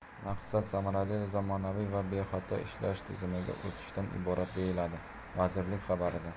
maqsad samarali zamonaviy va bexato ishlash tizimiga o'tishdan iborat deyiladi vazirlik xabarida